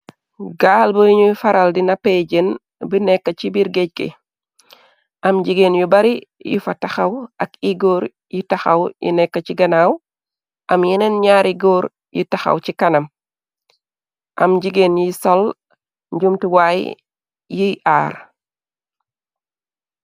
Gaal bu ñu faral di napè jen bi nekk ci biir géej gi. Am jigeen yu bari yu fa tahaw ak iy góor yu tahaw yi nekka ci ganaaw. AM yeneen ñaari góor yi tahaw ci kanam. Am jigéen yi sol njumti waay yiy aar.